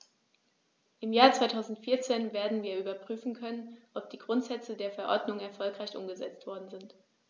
Im Jahr 2014 werden wir überprüfen können, ob die Grundsätze der Verordnung erfolgreich umgesetzt worden sind.